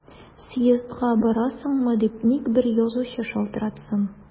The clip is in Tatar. Съездга барасыңмы дип ник бер язучы шалтыратсын!